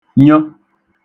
nyə̣